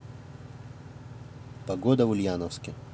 погода в ульяновске